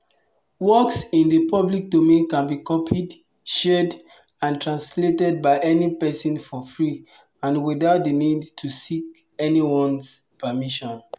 Works in the public domain can be copied, shared, and translated by any person for free and without the need to seek anyone's permission.